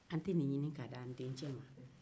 an tɛ nin ɲini ka di an denkɛ ma